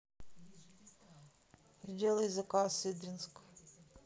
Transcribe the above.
сделай заказ идринк